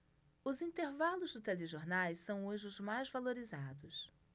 os intervalos dos telejornais são hoje os mais valorizados